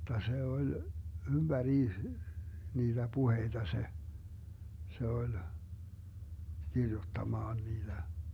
jotta se oli ympäriinsä niitä puheita se se oli kirjoittamaan niitä